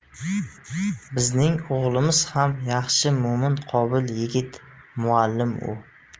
bizning o'g'limiz ham yaxshi mo'min qobil yigit muallim u